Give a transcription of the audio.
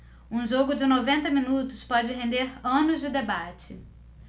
um jogo de noventa minutos pode render anos de debate